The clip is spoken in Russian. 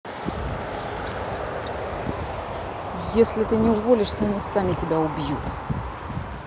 если ты не уволишься они сами себя убьют